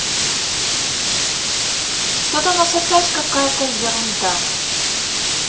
что то у нас опять какая то ерунда